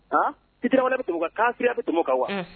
A ci wɛrɛ bɛ tunmɔ k'siraya bɛ tomɔ kan wa